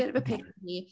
Bit of a pick me.